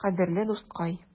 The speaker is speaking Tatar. Кадерле дускай!